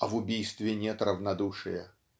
а в убийстве нет равнодушия.